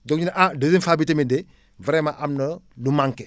donc ñu ne ah deuxième phase bi tamit de vraiment am na lu manqué